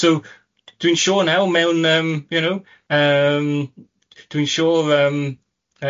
So, dwi'n siŵr naw' mewn yym, you know, yym... Dwi'n siŵr yym yy